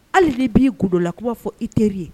Hali de b'i golola k' b'a fɔ i terir' ye